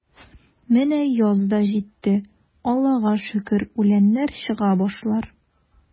Менә яз да житте, Аллага шөкер, үләннәр чыга башлар.